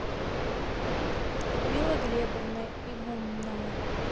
людмила глебовна игумнова